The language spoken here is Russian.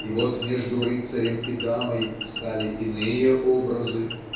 и вот между рыцарем и дамой стали иные образы.